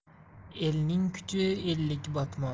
elning kuchi ellik botmon